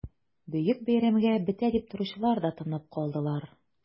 Бөек бәйрәмгә бетә дип торучылар да тынып калдылар...